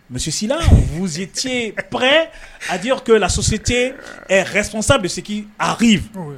Misisusiina muz pa adi kela sositesɔnsa bɛ se aki